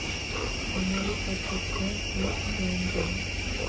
Ամալի Խաչատրյան Հայկ Բիանջյան։